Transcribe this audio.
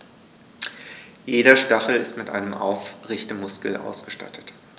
Jeder Stachel ist mit einem Aufrichtemuskel ausgestattet.